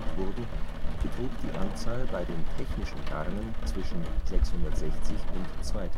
wurden betrug die Anzahl bei den technischen Garnen zwischen 660 und 2.640